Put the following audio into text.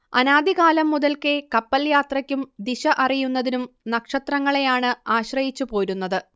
അനാദി കാലം മുതൽക്കേ കപ്പൽ യാത്രയ്ക്കും ദിശ അറിയുന്നതിനും നക്ഷത്രങ്ങളെയാണ് ആശ്രയിച്ചുപോരുന്നത്